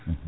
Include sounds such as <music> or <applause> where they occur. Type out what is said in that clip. <hesitation> <hesitation>